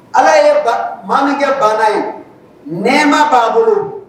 Ala ye ba maa min kɛ baana ye nɛɛma b'a bolo